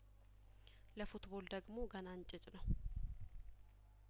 ለፉትቦል ደግሞ ገና እንጭጭ ነው